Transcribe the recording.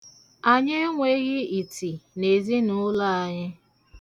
Anyị enweghị iti n'ezinụụlọ anyị.